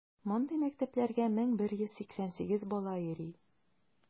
Мондый мәктәпләргә 1188 бала йөри.